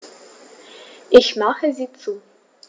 Ich mache sie zu.